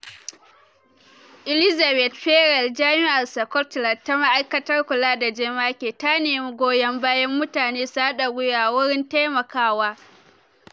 Elisabeth Ferrel, Jami’ar Scotland ta Ma’aikatar Kula da Jemage, ta nemi goyon bayan mutane su hada gwiwa wurin taimakawa.